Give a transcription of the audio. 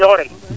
ñoxorel